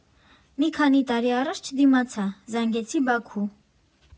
Մի քանի տարի առաջ չդիմացա, զանգեցի Բաքու.